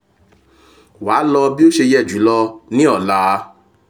Wàá lọ̀ bí ó ṣe yẹ jùlọ́ ní ọ̀la.